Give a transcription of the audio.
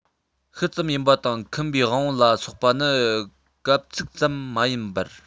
ཤུལ ཙམ ཡིན པ དང ཁུམ པའི དབང པོ ལ སོགས པ ནི གབ ཚིག ཙམ མ ཡིན པར